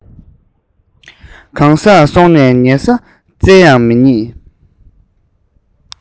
གང སར སོང ནས ཉལ ས བཙལ ཡང མ རྙེད